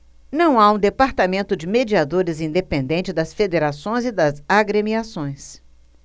não há um departamento de mediadores independente das federações e das agremiações